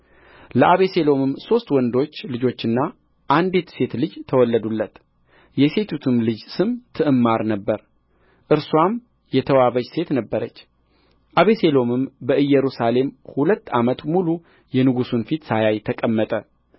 ለአቤሴሎምም ሦስት ወንዶች ልጆችና አንዲት ሴት ልጅ ተወለዱለት የሴቲቱም ልጅ ስም ትዕማር ነበረ እርስዋም የተዋበች ሴት ነበረች አቤሴሎምም በኢየሩሳሌም ሁለት ዓመት ሙሉ የንጉሡን ፊት ሳያይ ተቀመጠ